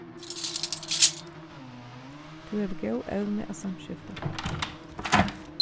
tú hevur góð evni at samskifta